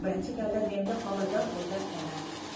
birinchi galda menga homilador bo'lgan ona